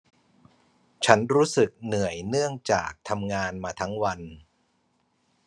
ฉันรู้สึกเหนื่อยเนื่องจากทำงานมาทั้งวัน